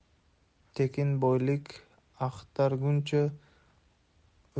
tekin boylik axtarguncha